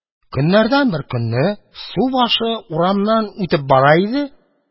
Көннәрдән бер көнне субашы урамнан үтеп бара иде. Әбүгалисина саткан өйне күрде.